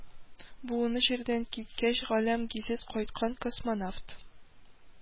Буыны җирдән киткәч, галәм гизеп кайткан космонавт